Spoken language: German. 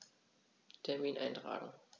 Termin eintragen